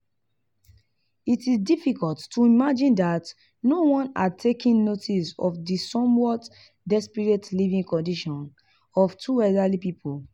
It is difficult to imagine that no one had taken notice of the somewhat desperate living conditions of the two elderly people.